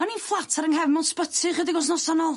O'n i'n fflat ar yng nghefn mewn sbyty ychydig wsnosa'n nôl.